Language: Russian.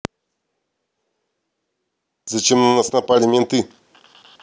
зачем на нас напали менты